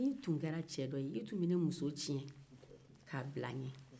n'i tun kɛra cɛ dɔ ye i tun bɛ ne muso tiɲɛ k'a bila n ɲɛ